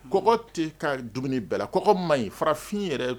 Kɔkɔ tɛ ka dumuni bɛɛla kɔ man ɲi farafin yɛrɛ